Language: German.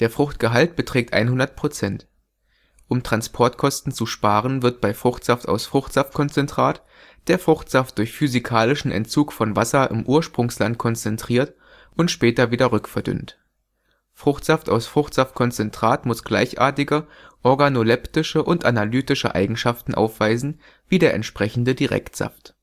Fruchtgehalt beträgt 100%. Um Transportkosten zu sparen wird bei Fruchtsaft aus Fruchtsaftkonzentrat der Fruchtsaft durch physikalischen Entzug von Wasser im Ursprungsland konzentriert, und später wieder rückverdünnt. Fruchtsaft aus Fruchtsaftkonzentrat muss gleichartige organoleptische und analytische Eigenschaften aufweisen wie der entsprechende Direktsaft